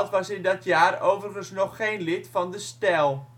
was in dat jaar overigens nog geen lid van De Stijl